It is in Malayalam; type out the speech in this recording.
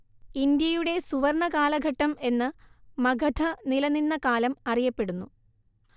ഇന്ത്യയുടെ സുവര്‍ണ്ണ കാലഘട്ടം എന്ന് മഗധ നിലനിന്ന കാലം അറിയപ്പെടുന്നു